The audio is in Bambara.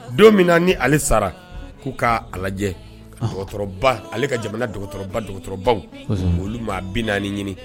Don min na ale sara k'u k'a lajɛ , ɔnhɔn, docteur ba ale ka jamana docteur ba docteur ba olu maa 40 ɲini.